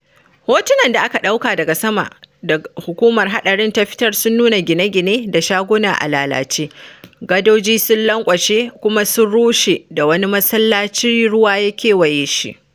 Hotunan da aka ɗauka daga sama da hukumar haɗarin ta fitar sun nuna gine-gine da shaguna a lalace, gadoji sun lankwashe kuma sun rushe da wani masallaci ruwa ya kewaye shi.